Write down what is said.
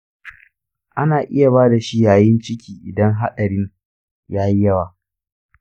ana iya ba da shi yayin ciki idan haɗarin ya yi yawa.